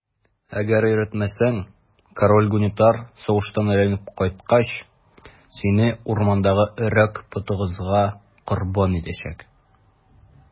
Әгәр өйрәтмәсәң, король Гунитар сугыштан әйләнеп кайткач, сине урмандагы Өрәк потыгызга корбан итәчәк.